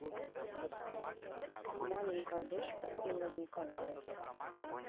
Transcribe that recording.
маленькая дочка игорь николаев